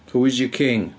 Who is your king?